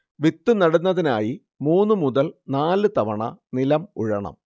വിത്ത് നടുന്നതിനായി മൂന്ന് മുതൽ നാല് തവണ നിലം ഉഴണം